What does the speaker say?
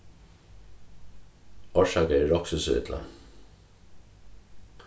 orsaka eg roksi so illa